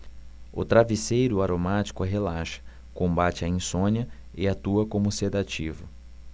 o travesseiro aromático relaxa combate a insônia e atua como sedativo